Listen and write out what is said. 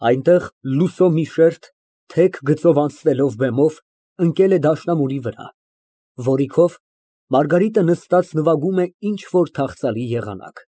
Այնտեղ լուսո մի շերտ, թեք գծով անցնելով բեմով, ընկել է դաշնամուրի վրա, որի քով Մարգարիտը նստած նվագում է ինչ֊որ թախծալի եղանակ։